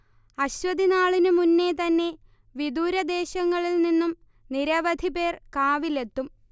അശ്വതിനാളിനു മുന്നേ തന്നെ വിദൂരദേശങ്ങളിൽ നിന്നും നിരവധി പേർ കാവിലെത്തും